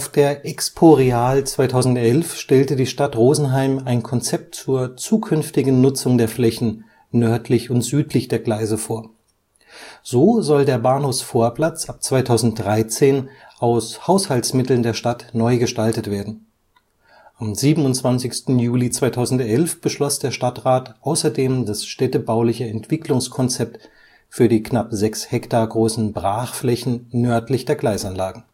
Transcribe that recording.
der Expo Real 2011 stellte die Stadt Rosenheim ein Konzept zur zukünftigen Nutzung der Flächen nördlich und südlich der Gleise vor. So soll der Bahnhofsvorplatz ab 2013 aus Haushaltsmitteln der Stadt neu gestaltet werden. Am 27. Juli 2011 beschloss der Stadtrat außerdem das städtebauliche Entwicklungskonzept für die knapp 6 Hektar großen Brachflächen nördlich der Gleisanlagen